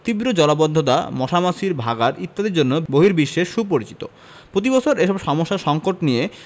তীব্র জলাবদ্ধতা মশা মাছির ভাঁগাড় ইত্যাদির জন্য বহির্বিশ্বে সুপরিচিত প্রতিবছর এসব সমস্যা সঙ্কট নিয়ে